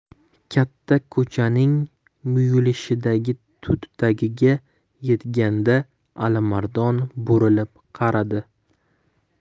katta ko'chaning muyulishidagi tut tagiga yetganda alimardon burilib qaradi